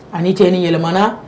Ani ni cɛ ni yɛlɛmamana